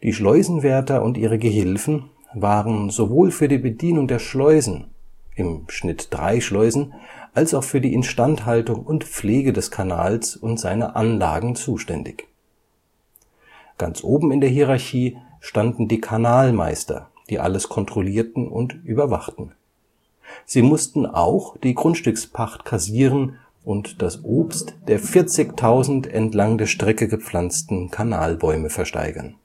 Schleusenwärter und ihre Gehilfen waren sowohl für die Bedienung der Schleusen (im Schnitt drei Schleusen) als auch für die Instandhaltung und Pflege des Kanals und seiner Anlagen zuständig. Ganz oben in der Hierarchie standen die Kanalmeister, die alles kontrollierten und überwachten. Sie mussten auch die Grundstückspacht kassieren und das Obst der 40.000 entlang der Strecke gepflanzten Kanalbäume versteigern